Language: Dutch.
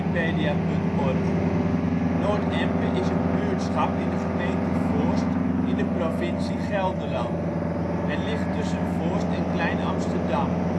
09 ' NB, 6° 07 ' OL Noord-Empe Plaats in Nederland Situering Provincie Gelderland Gemeente Voorst Coördinaten 52° 10′ NB, 6° 8′ OL Portaal Nederland Noord-Empe is een buurtschap in de gemeente Voorst, provincie Gelderland. Het ligt tussen Voorst en Klein-Amsterdam